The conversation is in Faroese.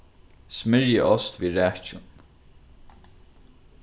smyrjiost við rækjum